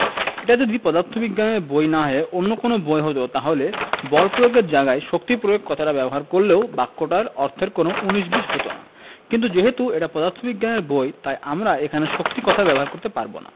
এটা যদি পদার্থবিজ্ঞানের বই না হয়ে অন্য কোনো বই হতো তাহলে বল প্রয়োগ এর জায়গায় শক্তি প্রয়োগ কথাটা ব্যবহার করলেও বাক্যটায় অর্থের কোনো উনিশ বিশ হতো না কিন্তু যেহেতু এটা পদার্থবিজ্ঞানের বই তাই আমরা এখানে শক্তি কথাটা ব্যবহার করতে পারব না